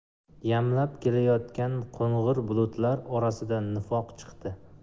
yamlab kelayotgan qo'ng'ir bulutlar orasida nifoq chiqdi